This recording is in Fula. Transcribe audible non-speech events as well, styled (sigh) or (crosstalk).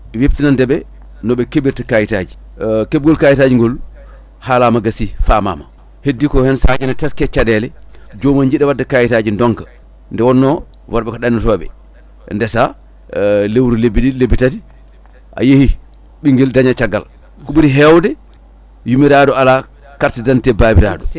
webtinandeɓe noɓe keeɓirta kayitaji kebgol kyitaji ngol haalama gassi famama heddi ko hen sahaji en teske caɗele joomum jiiɗa wadde kyitaji donka nde wonno worɓe ko ɗannotoɓe ndeesa (hesitation) lewru lebbi ɗiɗi lebbi tati ayeyi ɓinnguel dañe caggal ko ɓuuri hewde yummiraɗo carte d' identité babiraɗo